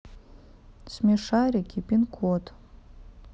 смешарики пинкод